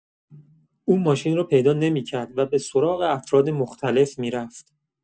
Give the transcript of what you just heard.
او ماشین را پیدا نمی‌کرد و به سراغ افراد مختلف می‌رفت.